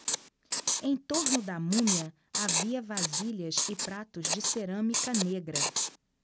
em torno da múmia havia vasilhas e pratos de cerâmica negra